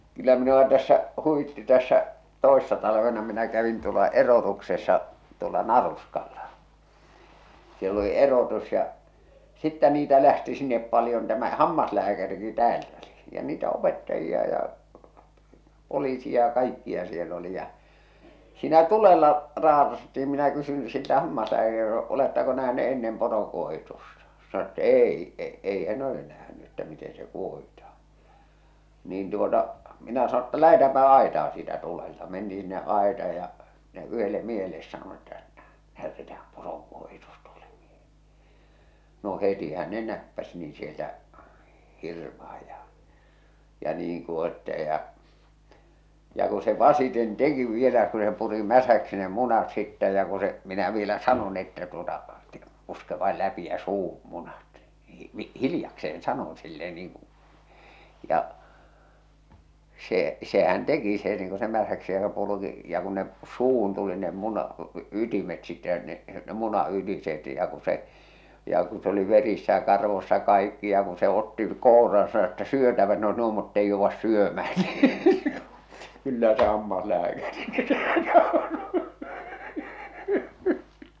kyllä minua tässä huvitti tässä toissa talvena minä kävin tuolla erotuksessa tuolla Naruskalla siellä oli erotus ja sitten niitä lähti sinne paljon tämä hammaslääkärikin täältä oli ja niitä opettajia ja poliisi ja kaikkia siellä oli ja siinä tulella - raatattiin minä kysyn siltä - oletteko nähneet ennen poronkuohitusta sanoi jotta ei - ei hän ole nähnyt että miten se kuohitaan niin tuota minä sanoin jotta lähdetäänpä aitaan siitä tulelta mentiin sinne aitaan ja minä yhdelle miehelle sanoin että näytetään poron kuohitus tuolle - no hetihän ne näppäsi niin sieltä hirvaan ja ja niin kuohitsee ja ja kun se vasiten teki vielä kun se puri mäsäksi ne munat sitten ja kun se minä vielä sanoin että tuota - puske vain läpi ja suuhun munat niin hiljakseen sanon sille niin kuin ja se sehän teki se niin kuin se mäsäksi se purikin ja kun ne suuhun tuli ne munan ytimet sitten ja ne ne munan ytiset ja kun se ja kun se oli verissä ja karvoissa kaikki ja kun se otti kouraan sanoi että syötävät ne olisi nuo mutta ei jouda syömään niin kyllä se hammaslääkärikin se nauroi